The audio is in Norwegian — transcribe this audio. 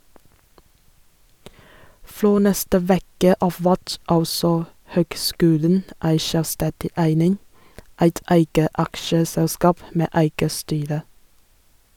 Frå neste veke av vert altså høgskulen ei sjølvstendig eining, eit eige aksjeselskap med eige styre.